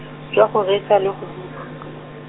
jwa go reetsa le go bu-.